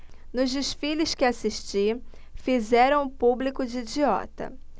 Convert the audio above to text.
nos desfiles que assisti fizeram o público de idiota